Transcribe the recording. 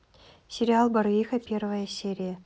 сериал барвиха первая серия